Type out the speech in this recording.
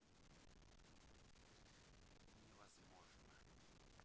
невозможно